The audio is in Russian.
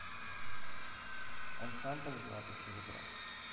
ансамбль злато серебро